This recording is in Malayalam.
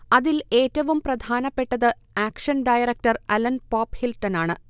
അതിൽ ഏറ്റവും പ്രധാനപ്പെട്ടത് ആക്ഷൻ ഡയറക്ടർ അലൻ പോപ്ഹിൽട്ടണാണ്